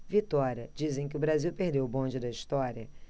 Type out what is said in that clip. vitória dizem que o brasil perdeu o bonde da história